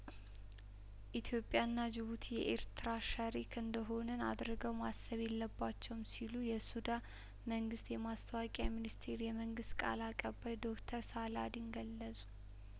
ኢትዮጵያና ጅቡቲ የኤርትራ ሸሪክ እንደሆንን አድርገው ማሰብ የለባቸውም ሲሉ የሱዳን መንግስት የማስታወቂያ ሚኒስትር የመንግስት ቃል አቀባይ ዶክተር ሳላዲን ገለጹ